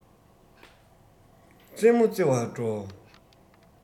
རྩེད མོ རྩེ བར འགྲོ